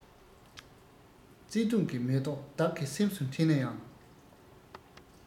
བརྩེ དུང གི མེ ཏོག བདག གི སེམས སུ འཁྲེན ན ཡང